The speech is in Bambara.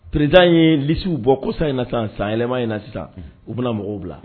président ye listes bɔ kosa in na sisan sanyɛlɛ in na sisan u bɛna mɔgɔw bila.